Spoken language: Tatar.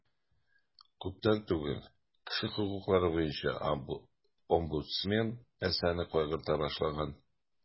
Күптән түгел кеше хокуклары буенча омбудсмен нәрсәне кайгырта башлаган?